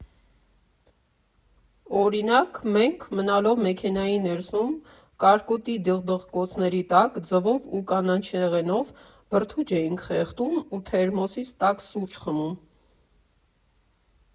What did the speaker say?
Օրինակ՝ մենք, մնալով մեքենայի ներսում, կարկուտի դխդխկոցների տակ, ձվով ու կանաչեղենով բրդուճ էինք խեղդում ու թերմոսից տաք սուրճ խմում։